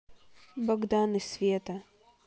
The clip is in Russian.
богдан и света